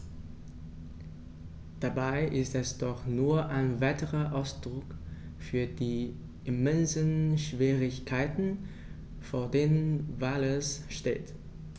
Dabei ist es doch nur ein weiterer Ausdruck für die immensen Schwierigkeiten, vor denen Wales steht.